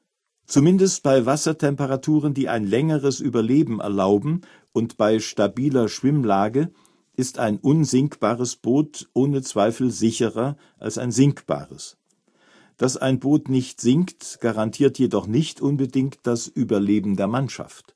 Zumindest bei Wassertemperaturen, die ein längeres Überleben erlauben, und bei stabiler Schwimmlage ist ein unsinkbares Boot ohne Zweifel sicherer als ein sinkbares. Dass ein Boot nicht sinkt, garantiert jedoch nicht unbedingt das Überleben der Mannschaft